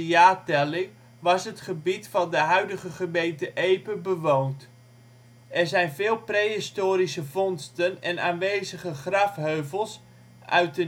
jaartelling was het gebied van de huidige gemeente Epe bewoond. Er zijn veel prehistorische vondsten en aanwezige grafheuvels uit